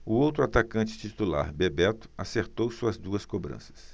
o outro atacante titular bebeto acertou suas duas cobranças